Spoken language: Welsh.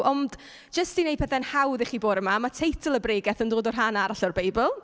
Ond, jyst i wneud pethau'n hawdd i chi bore 'ma, ma' teitl y bregeth yn dod o rhan arall o'r Beibl.